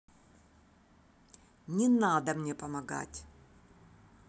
не надо мне помогать